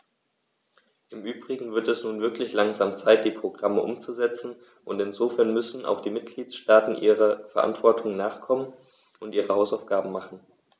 Im übrigen wird es nun wirklich langsam Zeit, die Programme umzusetzen, und insofern müssen auch die Mitgliedstaaten ihrer Verantwortung nachkommen und ihre Hausaufgaben machen.